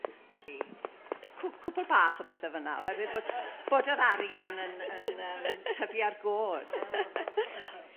Felly yrr cw- cwpl bach o bethe fyna oherwydd bod bod yr arian yn yn yrm tyfu ar go'd.